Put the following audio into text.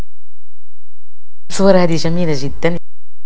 صور هديه جميله جدا